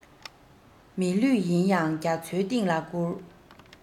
མི ལུས ཡིན ཡང རྒྱ མཚོའི གཏིང ལ བསྐྱུར